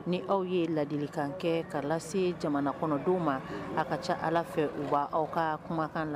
Ni aw ye ladilikan kɛ ka lase jamana kɔnɔdenw ma aw ka ca ala fɛ u wa aw ka kumakan na